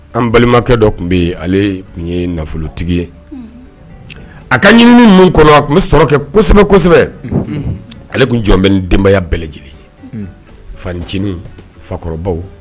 An balimakɛ dɔ tun bɛ yen ale tun ye nafolotigi ye a ka ɲinini ninnu kɔnɔ a tun bɛ sɔrɔ kɛ kosɛbɛ kosɛbɛ, unhun, ale tun jɔ n bɛ ni denbaya bɛɛ lajɛlen ye fanicininw, fakɔrɔbaw